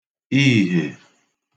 ihè